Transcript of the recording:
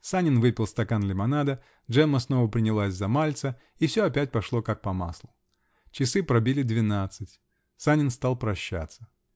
Санин выпил стакан лимонада, Джемма снова принялась за Мальца -- и все опять пошло как по маслу. Часы пробили двенадцать. Санин стал прощаться.